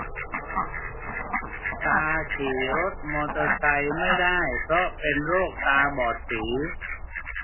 ตาขี่รถมอเตอร์ไซค์ไม่ได้เพราะเป็นโรคตาบอดสี